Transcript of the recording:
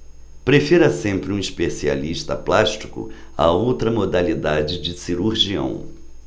prefira sempre um especialista plástico a outra modalidade de cirurgião